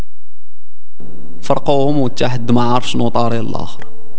اقوم وشاهد ما اعرف شنو طار الله